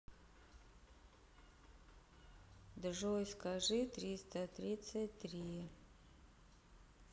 джой скажи триста тридцать три